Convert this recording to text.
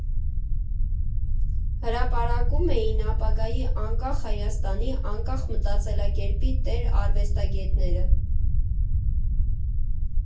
Հրապարակում էին ապագայի անկախ Հայաստանի անկախ մտածելակերպի տեր արվեստագետները։